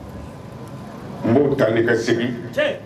Mɔgɔw taa ne ka segin